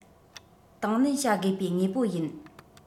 དང ལེན བྱ དགོས པའི དངོས པོ ཡིན